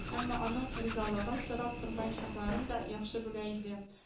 Әмма аның ризалыгын сорап тормаячакларын да яхшы белә иде